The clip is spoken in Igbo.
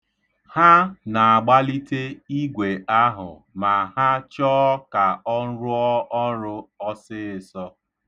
Ha na-agbalite igwe ahụ ma ha chọọ ka ọ rụọ ọrụ ọsịịsọ.